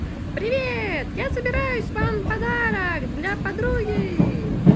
привет я собираюсь ван подарок для подруги